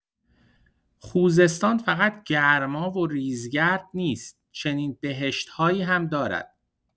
خوزستان فقط گرما و ریزگرد نیست، چنین بهشت‌هایی هم دارد.